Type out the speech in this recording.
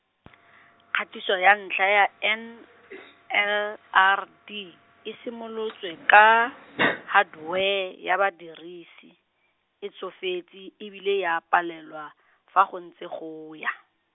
kgatiso ya ntlha ya N L R D, e simolotswe ka hardware ya badirisi, e tsofetse e bile e a palelwa, fa go ntse go ya.